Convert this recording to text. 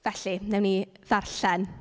Felly, wnawn ni ddarllen.